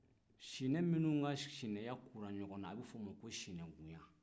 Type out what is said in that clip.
sinan minnu ka sinanya kura ɲɔngɔn na a bɛ f'o ma ko sinankunya